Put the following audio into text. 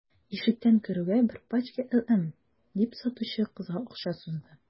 Ишектән керүгә: – Бер пачка «LM»,– дип, сатучы кызга акча сузды.